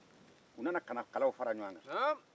u nana kalaw fara ɲɔgɔn kan